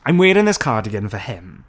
I'm wearing this cardigan for him,